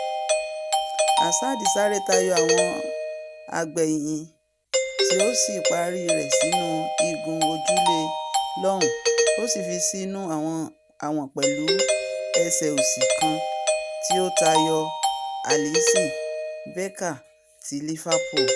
Hazard sáré tayọ àwọn agbéyìn tí o sì pari rẹ̀ sínú igun ojúlé lọ́ọ̀hún ó sì fi sínú àwọ̀n pẹ̀lú ẹsẹ̀ òsì kan tó tayọ Alisson Becker ti Liverpool.